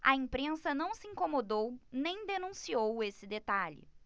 a imprensa não se incomodou nem denunciou esse detalhe